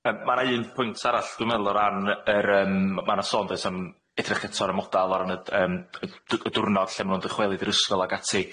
Yym ma' 'na un pwynt arall dwi'n meddwl o ran yy yr yym... M- ma' 'na sôn does am edrych eto ar y modal o ran y yym y d- y dwrnod lle ma' nw'n dychwelyd i'r ysgol ag ati.